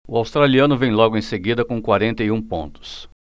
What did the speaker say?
o australiano vem logo em seguida com quarenta e um pontos